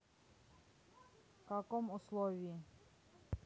каком условии